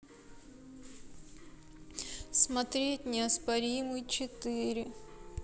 смотреть неоспоримый четыре